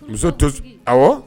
Muso tɛ Awo.